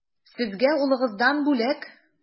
Сезгә улыгыздан бүләк.